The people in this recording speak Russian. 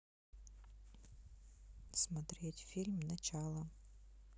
смотреть фильм начало